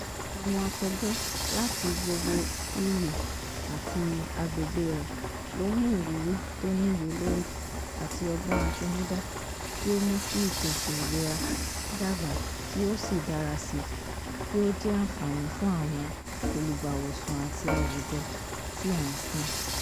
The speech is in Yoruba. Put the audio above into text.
Àwọn akẹgbẹ́ láti gbogbo EU, àti agbègbè reẹ̀, ló mú ìrírí tó níye lórím àti ọgbọ́n àtinúdá tí ó mú kí ìpèsè ilera dàgbà kí ó sì dára síi, kí ó jẹ́ àǹfààní fúnàwọn olùgbàwòsàn àti àwùjọtí á ń sìn.